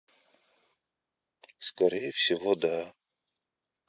скорее всего да